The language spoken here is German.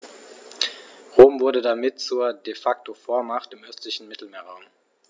Rom wurde damit zur ‚De-Facto-Vormacht‘ im östlichen Mittelmeerraum.